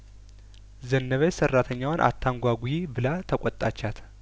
ዘነበች ሰራተኛዋን አታንጓጉ ብላ ተቆጣቻት